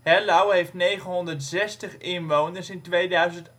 Hellouw heeft 960 inwoners (2008